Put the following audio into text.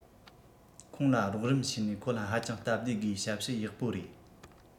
ཁོང ལ རོགས རམ བྱས ནས ཁོ ལ ཧ ཅང སྟབས བདེ སྒོས ཞབས ཞུ ཡག པོ རེད